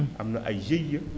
am na ay GIE